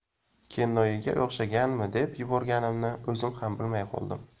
kennoyiga o'xshaganmi deb yuborganimni o'zim ham bilmay qoldim